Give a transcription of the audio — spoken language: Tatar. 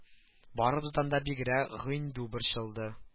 Барыбыздан да бигрәк гыйнду борчылды